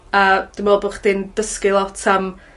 A dwi'n me'wl bo' chdi'n dysgu lot am